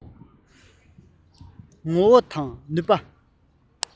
ངོ བོ དང ནུས པ